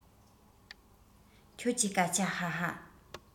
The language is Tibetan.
ཁྱོད ཀྱི སྐད ཆ ཧ ཧ